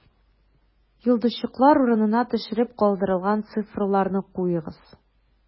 Йолдызчыклар урынына төшереп калдырылган цифрларны куегыз: